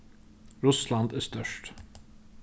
russland er stórt